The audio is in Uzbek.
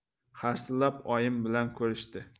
harsillab oyim bilan ko'rishdi